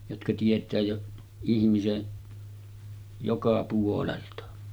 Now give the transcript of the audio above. jotka tietää jo ihmisen joka puolelta